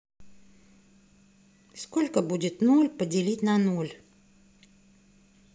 сколько будет ноль поделить на ноль